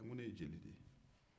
ko ne ye jeli de ye